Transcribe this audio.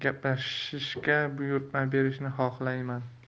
gaplashishga buyurtma berishni xohlayman